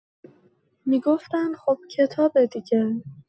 می‌گفتن خب کتابه دیگه.